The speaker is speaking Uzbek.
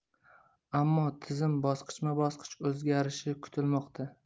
ammo tizim bosqichma bosqich o'zgarishi kutilmoqda